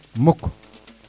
mukk